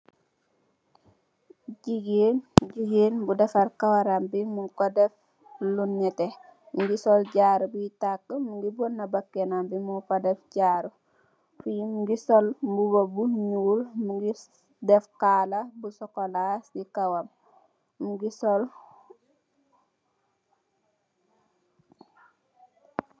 Jigéen, jigéen bu dèfar kawaram bi mung ko deff lu nètè, mungi sol jaaro bi takk, mungi bona bakanam bi mung fa deff jaaro. ki mungi sol mbuba bu ñuul, mungi deff kala bu sokola ci kawam mungi sol.